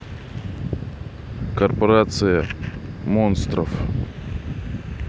корпорация монстров